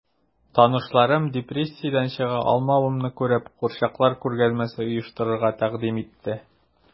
Танышларым, депрессиядән чыга алмавымны күреп, курчаклар күргәзмәсе оештырырга тәкъдим итте...